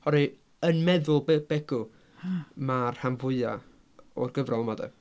Oherwy- yn meddwl B- Begw... ia ...mae'r rhan fwyaf o'r gyfrol yma de?